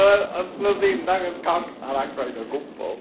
nhw ddim dangos cock Dan Aykroyd o gwbl.